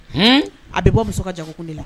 A bɛ bɔ muso ka jankun de la